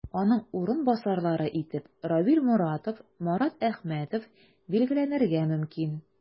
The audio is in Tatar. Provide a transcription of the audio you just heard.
Аның урынбасарлары итеп Равил Моратов, Марат Әхмәтов билгеләнергә мөмкин.